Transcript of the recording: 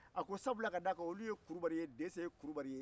a ko sabula k'a da kan olu ye kurubali ye dɛsɛ ye kurubali ye